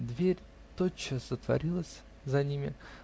Дверь тотчас затворилась за ними.